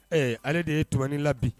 Ee ale de ye Tumani labin